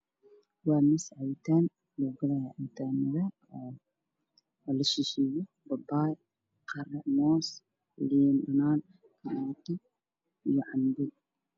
Cabitaanada la sheego babaay moos qaro ye lindana waxaa yaallo cabitaanada oo dhan oo qaar u badan iyo cambo